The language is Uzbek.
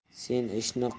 sen ishni quvsang